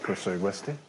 Croeso i'r westy.